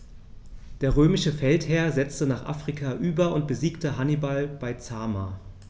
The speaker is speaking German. Der römische Feldherr setzte nach Afrika über und besiegte Hannibal bei Zama.